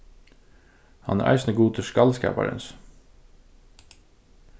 hann er eisini gudur skaldskaparins